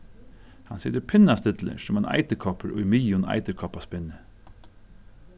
hann situr pinnastillur sum ein eiturkoppur í miðjum eiturkoppaspinni